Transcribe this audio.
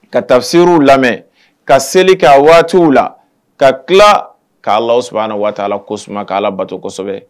Ka taa sew lamɛn ka seli ka waatiw la ka tila k'alawsa waati la ko k'a ala bato kosɛbɛ